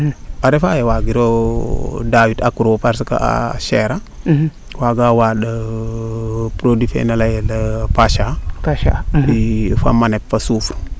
a refa yee wagiro daawit accro parce que a cher a waaga waand produit fee na leyel pachan fa manette fo souffre